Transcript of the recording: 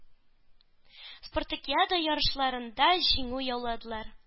Спартакиада ярышларында җиңү яуладылар.